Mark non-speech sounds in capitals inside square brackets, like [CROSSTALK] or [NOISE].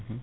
[HESITATION] [HESITATION]